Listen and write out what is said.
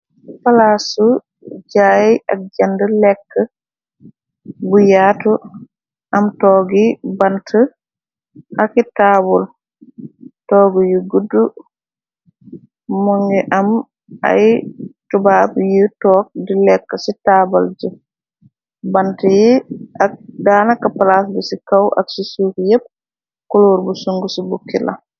Palaasu jaay ak jand lekk bu yaatu am toogi bant ak taabul, toogu yu guddu mu ngi am ay tubaab yu toog di lekk ci taabal ja bant yi. Ak daana ka palaas bi ci kaw ak ci suuf yépp kuluur bu sung ci bukki la.